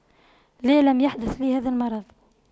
لا لم يحدث لي هذا المرض